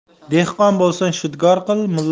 dehqon bo'lsang shudgor qil